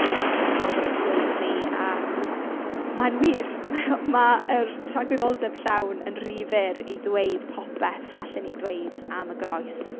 Yym gan Robert ap Gwilym Ddu a mae'n wir, ma' o... ma' yr tragwyddoldeb llawn yn rhy fyr i ddweud popeth allen ni ddweud am y groes.